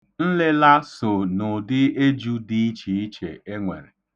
Nlịla so n'ụdị eju dị ichiiche e nwere.